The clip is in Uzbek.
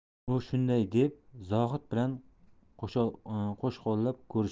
u shunday deb zohid bilan qo'shqo'llab ko'rishdi